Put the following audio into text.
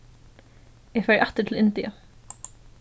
eg fari aftur til india